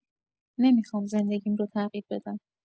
نمی‌خوام زندگیم رو تغییر بدم.